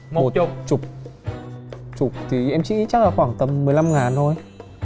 một chục chục chục thì em nghĩ chắc khoảng tầm mười lăm ngàn thôi